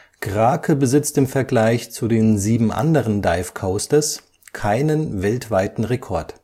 Krake besitzt im Vergleich zu den sieben anderen Dive Coasters keinen weltweiten Rekord